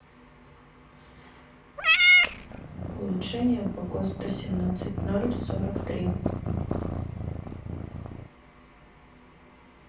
улучшение по госту семнадцать ноль сорок три